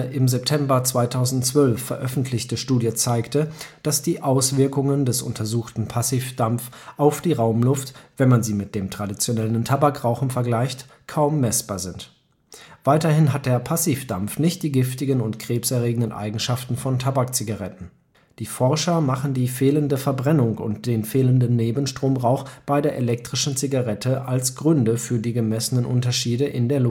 im September 2012 veröffentlichte Studie zeigte, dass die Auswirkungen des untersuchten Passivdampf auf die Raumluft, wenn man sie mit dem traditionellen Tabakrauchen vergleicht, kaum messbar sind. Weiterhin hat der Passivdampf nicht die giftigen und krebserregenden Eigenschaften von Tabakzigaretten. Die Forscher machen die fehlende Verbrennung und den fehlenden Nebenstromrauch bei der elektrischen Zigarette als Gründe für die gemessenen Unterschiede in der